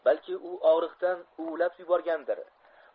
balki u og'riqdan uvlab yuborgandir